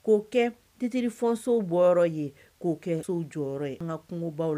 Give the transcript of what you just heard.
K'o kɛ tttiriri fɔso bɔ ye k'o kɛ so jɔyɔrɔ ye n ka kungobaww la